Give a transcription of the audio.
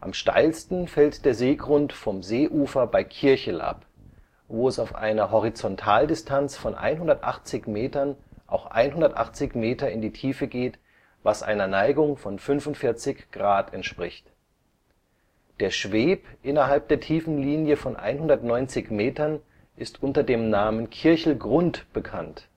steilsten fällt der Seegrund vom Seeufer beim Kirchel ab, wo es auf einer Horizontaldistanz von 180 Metern auch 180 Meter in die Tiefe geht, was einer Neigung von 45° entspricht. Der Schweb innerhalb der Tiefenlinie von 190 Metern ist unter dem Namen Kirchel Grund bekannt